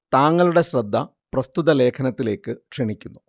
താങ്ങളുടെ ശ്രദ്ധ പ്രസ്തുത ലേഖനത്തിലേക്ക് ക്ഷണിക്കുന്നു